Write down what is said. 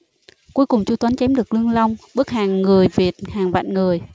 cuối cùng chu tuấn chém được lương long bức hàng người việt hàng vạn người